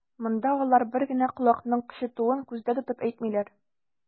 Монда алар бер генә колакның кычытуын күздә тотып әйтмиләр.